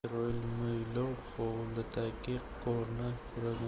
isroil mo'ylov hovlidagi qorni kuragan